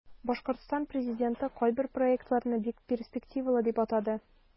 Башкортстан президенты кайбер проектларны бик перспективалы дип атады.